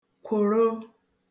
kwòrò